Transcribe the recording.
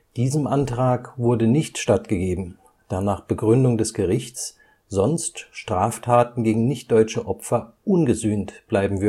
Diesem Antrag wurde nicht stattgegeben, da nach Begründung des Gerichts sonst Straftaten gegen nichtdeutsche Opfer ungesühnt bleiben